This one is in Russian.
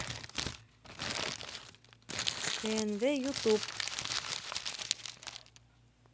тнв ютуб